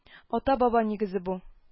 Ата-баба нигезе бу